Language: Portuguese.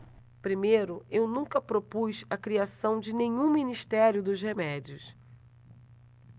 primeiro eu nunca propus a criação de nenhum ministério dos remédios